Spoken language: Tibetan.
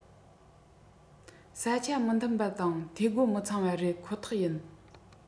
ས ཆ མི མཐུན པ དང འཐུས སྒོ མི ཚང བ རེད ཁོ ཐག ཡིན